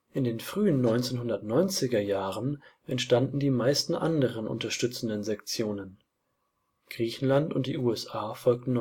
In den frühen 1990er Jahren entstanden die meisten anderen unterstützenden Sektionen: Griechenland und die USA folgten